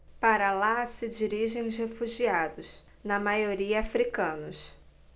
para lá se dirigem os refugiados na maioria hútus